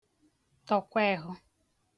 tọ̀kwehụ